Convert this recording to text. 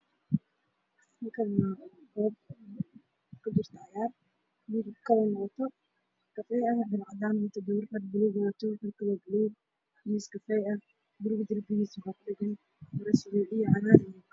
Waa nin iyo naag heesaayo